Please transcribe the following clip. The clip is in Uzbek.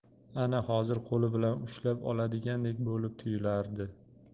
ana hozir qo'li bilan ushlab oladigandek bo'lib tuyulardi